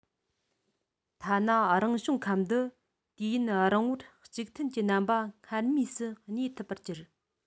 ཐ ན རང བྱུང ཁམས འདི དུས ཡུན རིང བོར གཅིག མཐུན གྱི རྣམ པ སྔར མུས སུ གནས ཐུབ པར གྱུར